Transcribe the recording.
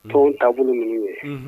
Tɔn taabolo nunu ye . unhun